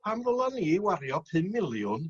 pam ddylan ni wario pum miliwn